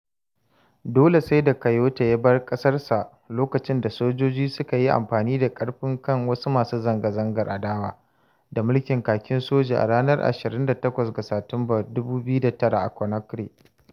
Dole sai da Kouyaté ya bar ƙasarsa lokacin da sojoji suka yi amfani da ƙarfi kan wasu masu zanga-zangar adawa da mulkin Kakin Soji a ranar 28 ga Satumba, 2009, a Conakry.